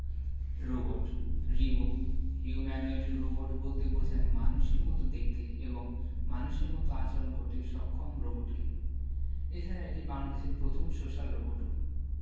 robot Ribo humanoid robot বলতে বোঝায় মানুষের মতো দেখতে এবং মানুষের মতো আচরণ করতে সক্ষম রোবটকে এছাড়া এটি বাংলাদেশের প্রথম সোশ্যাল রোবটও